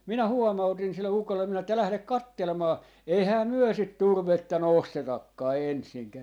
minä huomautin sille ukolle minä että lähde katselemaan eihän me sitä turvetta nostetakaan ensinkään